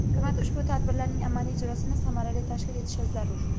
hukumat ushbu tadbirlarning amaliy ijrosini samarali tashkil etishi zarur